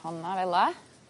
honna fel 'a.